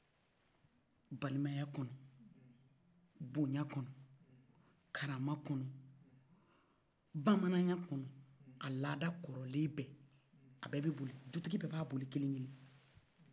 balimaya kɔnɔ boyan kɔnɔ karama kɔnɔ bamananya kɔnɔ a la da kɔrɔ le bɛ a bɛ be boli dutigi bɛb'a boli